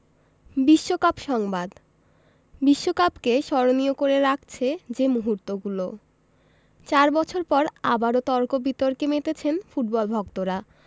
বিশ্বকাপ সংবাদ বিশ্বকাপকে স্মরণীয় করে রাখছে যে মুহূর্তগুলো চার বছর পর আবারও তর্ক বিতর্কে মেতেছেন ফুটবল ভক্তরা